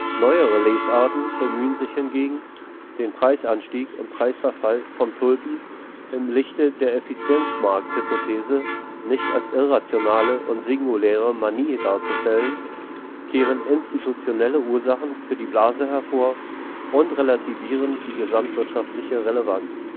Neuere Lesarten bemühten sich hingegen, den Preisanstieg und Preisverfall von Tulpen im Lichte der Effizienzmarkthypothese nicht als irrationale und singuläre Manie darzustellen, kehren institutionelle Ursachen für die Blase hervor und relativieren die gesamtwirtschaftliche Relevanz